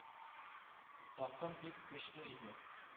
Такым бик көчле иде